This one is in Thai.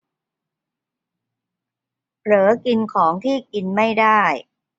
เผลอกินของที่กินไม่ได้